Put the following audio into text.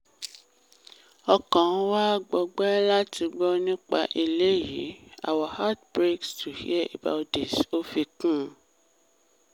"Ọkàn wa gbọgbẹ́ láti gbọ́ nípa eléyìí,” Our heart breaks to hear about this," Ó fi kú un.